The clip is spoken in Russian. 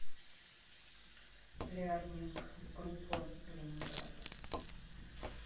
learning в группа ленинград